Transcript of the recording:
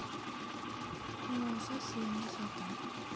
о совсем высота